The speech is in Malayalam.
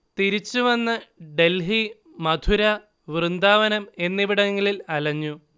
തിരിച്ചുവന്ന് ഡൽഹി, മഥുര, വൃന്ദാവനം എന്നിവിടങ്ങളിൽ അലഞ്ഞു